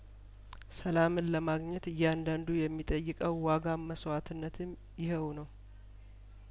ሰላምን ለማግኘት እያንዳንዱ የሚጠይቀው ዋጋም መስዋእትነትም ይኸው ነው